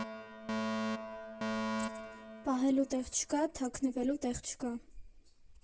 Պահելու տեղ չկա, թաքնվելու տեղ չկա.